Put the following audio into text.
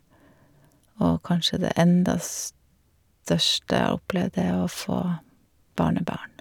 Og kanskje det enda største jeg har opplevd, er å få barnebarn.